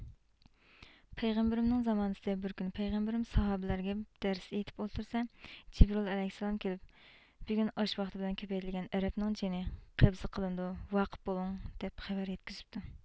پەيغەمبىرىمنىڭ زامانىسىدە بىر كۈنى پەيغەمبىرىم ساھابىلەرگە دەرس ئېيتىپ ئولتۇرسا جىبرىئىل ئەلەيھىسسالام كېلىپ بۈگۈن ئاش ۋاقتى بىلەن كۆپەيتىلگەن ئەرەبنىڭ جېنى قەبزە قىلىنىدۇ ۋاقىپ بولۇڭ دەپ خەۋەر يەتكۈزۈپتۇ